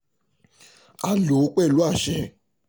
A lò ó pẹ̀lú àṣẹ.